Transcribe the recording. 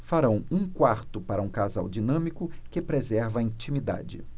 farão um quarto para um casal dinâmico que preserva a intimidade